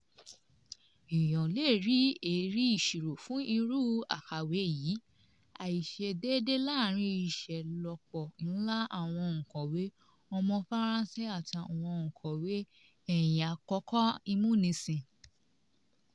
Èèyàn lè rí ẹ̀rí ìṣirò fún irú àkàwé yìí: àìṣedéédé láàárín ìṣelọ́pọ̀ ńlá àwọn òǹkọ̀wé ọmọ Faransé àti àwọn òǹkọ̀wé ẹ̀yìn-àkókò-ìmúnisìn.